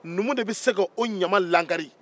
numu de bɛ se ka o ɲama lakari